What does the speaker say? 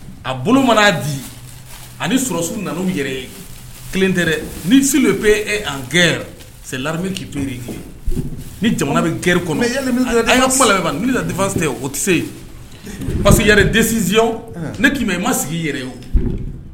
A bolo mana di ani sɔrɔsiw nana yɛrɛ ye kelen tɛ ni fili bɛ an kɛ se ke to ni jamana bɛ kɛri kɔnɔ nifasen o tɛ se parce yɛrɛ desisiy ne i ma sigi i yɛrɛ o